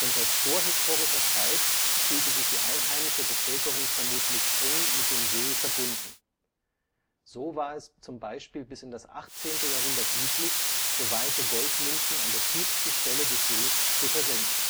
seit vorhistorischer Zeit fühlte sich die einheimische Bevölkerung vermutlich eng mit dem See verbunden. So war es zum Beispiel bis in das 18. Jahrhundert üblich, geweihte Goldmünzen an der tiefsten Stelle des Sees zu versenken